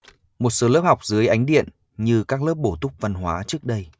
một số lớp học dưới ánh điện như các lớp bổ túc văn hóa trước đây